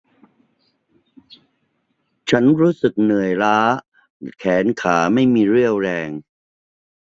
ฉันรู้สึกเหนื่อยล้าแขนขาไม่มีเรี่ยวแรง